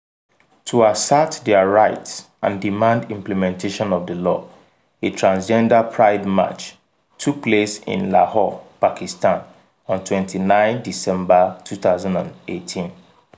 To assert their rights and demand implementation of the law, a Transgender Pride March took place in Lahore, Pakistan, on 29 December 2018.